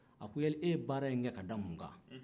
a ko yali e ye baara in kɛ k'a da mun kan